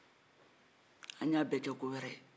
an y'a bɛ kɛ ko wɛrɛ ye